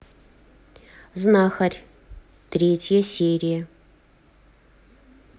знахарь третья серия